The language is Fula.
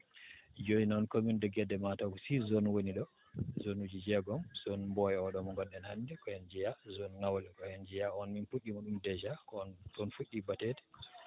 jooni noon commune de Guédé mataw ko six zone tan wooni ɗoo zone uuji jeegom zone Mboyo oo ɗoo mo ngonɗen hannde ko heen jeyaa zone Ngawle ko heen jeyaa on min puɗɗiima ɗum déjà ko on toon fuɗɗii bateede